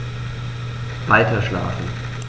Weiterschlafen.